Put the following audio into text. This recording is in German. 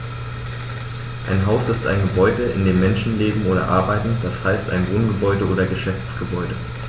Ein Haus ist ein Gebäude, in dem Menschen leben oder arbeiten, d. h. ein Wohngebäude oder Geschäftsgebäude.